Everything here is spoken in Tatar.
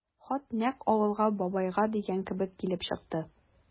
Хат нәкъ «Авылга, бабайга» дигән кебек килеп чыкты.